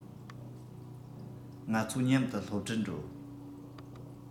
ང ཚོ མཉམ དུ སློབ གྲྭར འགྲོ